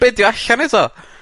Be 'di o allan eto?